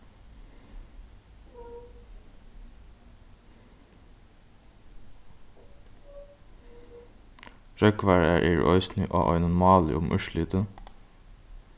rógvarar eru eisini á einum máli um úrslitið